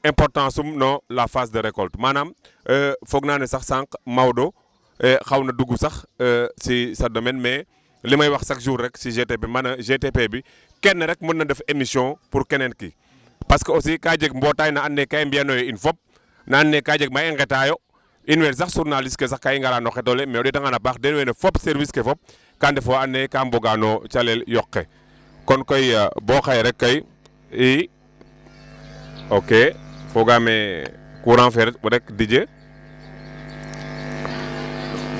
importance su non la phase de récolte maanaam foog naa ne sax sànq Maodo xaw na dugg sax si si sa domaine mais li may wax chaque jour rek si GT bi ma ne GTP bi kenn rek mën na def émission pour keneen ki parce que aussi